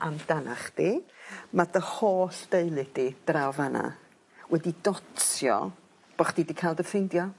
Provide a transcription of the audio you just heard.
...amdanach chdi ma' dy holl deulu di draw fanna wedi dotio bo' chdi 'di ca'l dy ffeindio.